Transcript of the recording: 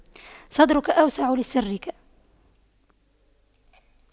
صدرك أوسع لسرك